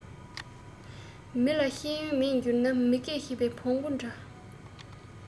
མི ལ ཤེས ཡོན མེད འགྱུར ན མི སྐད ཤེས པའི བོང བུ འདྲ